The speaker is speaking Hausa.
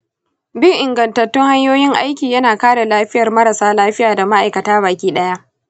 bin ingantattun hanyoyin aiki yana kare lafiyar marasa lafiya da ma’aikata baki ɗaya.